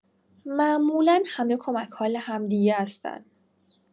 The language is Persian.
معمولا همه کمک‌حال همدیگه هستن.